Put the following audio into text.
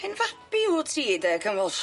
Hen fabi w ti de Ken Walsh.